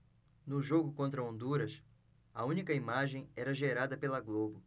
no jogo contra honduras a única imagem era gerada pela globo